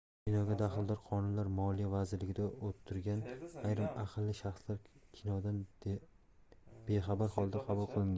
kinoga daxldor qonunlar moliya vazirligida o'tirgan ayrim aqlli shaxslar kinodan bexabar holda qabul qilingan